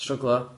Struglo.